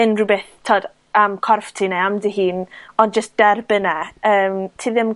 unrhyw beth t'od am corff ti neu am dy hun, ond jyst derbyn e. Yym ti ddim